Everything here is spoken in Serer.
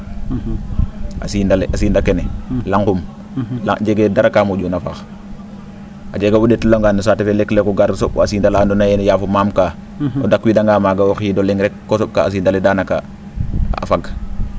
a siind akene la?um jegee dara kaa mo?uuna faax a jega o ?eetluwagaan no saate fe leek-leek o gar so? a siind ala andoona ye yaafo maak waa o dakwiidanga maaga o xiid o le? rek koo so?kaa a siind ale daanaka a fag